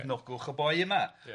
cefnogwch y boi yma ia.